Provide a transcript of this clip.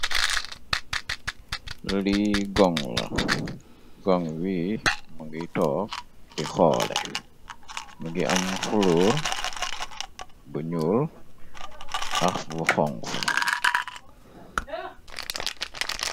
lii gong la gong bi mëngiy toog di xoole mingi am xuluur bu nuul ax bu xong fu.